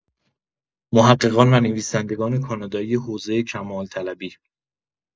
محققان و نویسندگان کانادایی حوزه کمال‌طلبی